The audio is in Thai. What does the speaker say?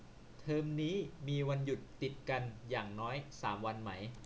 เทอมนี้มีวันหยุดติดกันอย่างน้อยสามวันไหม